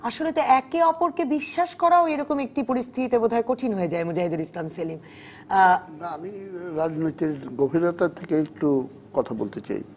খুলে তো একে অপরকে বিশ্বাস করাও এরকম একটি পরিস্থিতি তে বোধহয় কঠিন হয়ে যায় মুজাহিদুল ইসলাম সেলিম আমি রাজনীতির গভীরতা থেকে একটু কথা বলতে চাই